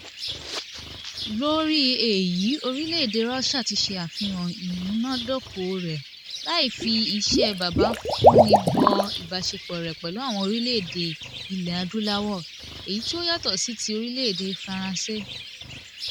Lórí èyí orílẹ̀-èdè Russia tí ṣe àfihàn ìmúnádóko rẹ̀ láì fi ìṣe bàbá fún ní bọ ìbáṣepọ̀ rẹ̀ pẹ̀lú àwọn orílẹ̀ èdè Ilẹ̀ Adúláwò, èyí tí ó yàtọ̀ sí ti orílẹ̀ èdè France.